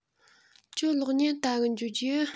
ཁྱོད གློག བརྙན བལྟ གི འགྱོ རྒྱུ